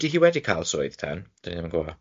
'Di hi wedi cael swydd ten? Deni'm yn gwbo